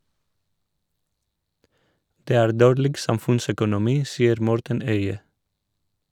Det er dårlig samfunnsøkonomi, sier Morten Øye.